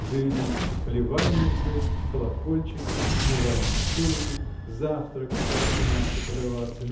завелись плевательницы, колокольчики, умывальные столики завтрак стал иначе подаваться